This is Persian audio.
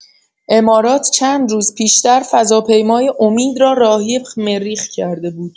امارات چند روز پیشتر فضاپیمای «امید» را راهی مریخ کرده بود.